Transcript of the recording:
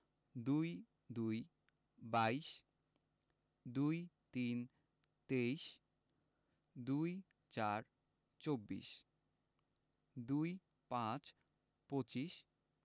২২ – বাইশ ২৩ – তেইশ ২৪ – চব্বিশ ২৫ – পঁচিশ